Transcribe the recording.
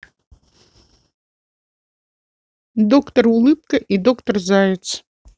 доктор улыбка и доктор заяц